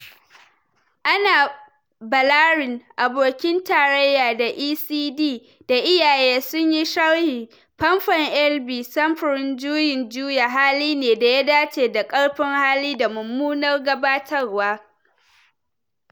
Ana Balarin, abokin tarayya da ECD da iyaye sunyi sharhi: “Famfon Elvie samfurin juyin juya hali ne da ya dace da karfin hali da mummunar gabatarwa.